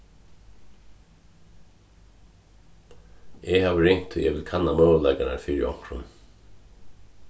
eg havi ringt tí eg vil kanna møguleikarnar fyri onkrum